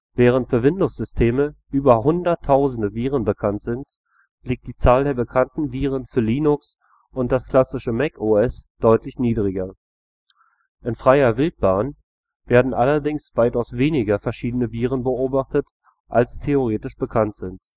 Während für Windows-Systeme über hunderttausende Viren bekannt sind, liegt die Zahl der bekannten Viren für Linux und das klassische Mac OS deutlich niedriger. In „ freier Wildbahn “werden allerdings weitaus weniger verschiedene Viren beobachtet, als theoretisch bekannt sind